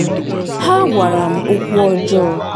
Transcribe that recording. Ha gwara m okwu ọjọọ!